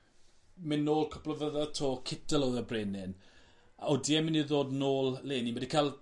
myn' nôl cwpwl o flynyddodd 'to Kittel odd y brenin. Odi e myn' i ddo nôl leni? Ma' 'di ca'l